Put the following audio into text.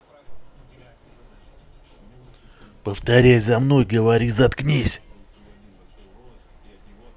повторяй за мной говори заткнись